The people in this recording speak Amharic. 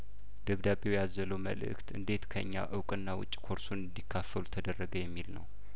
ደብዳቤው ያዘለው መልእክት እንዴት ከእኛ እውቅና ውጪ ኮርሱን እንዲካፈሉ ተደረገ የሚል ነው